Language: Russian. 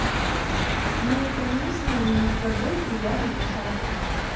ну конечно и с тобой приятно общаться